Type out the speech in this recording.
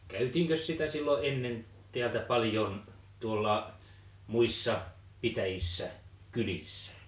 käytiinkös sitä silloin ennen täältä paljon tuolla muissa pitäjissä kylissä